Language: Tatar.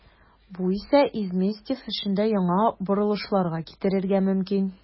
Бу исә Изместьев эшендә яңа борылышларга китерергә мөмкин.